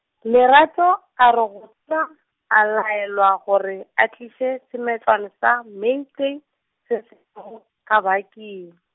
Lerato a re gosa, a laelwa gore a tliše semetlana sa Mainstay, se , ka baking .